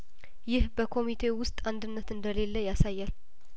ይህ በኮሚቴው ውስጥ አንድነት እንደሌለያሳ ያል